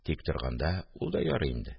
– тик торганда ул да ярый инде